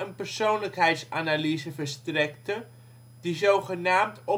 persoonlijkheidsanalyse verstrekte die zogenaamd